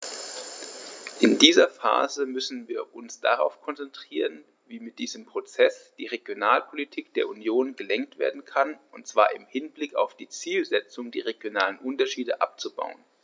In dieser Phase müssen wir uns darauf konzentrieren, wie mit diesem Prozess die Regionalpolitik der Union gelenkt werden kann, und zwar im Hinblick auf die Zielsetzung, die regionalen Unterschiede abzubauen.